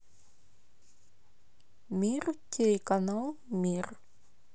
мир телеканал мир